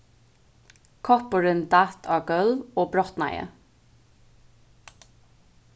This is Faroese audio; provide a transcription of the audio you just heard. koppurin datt á gólv og brotnaði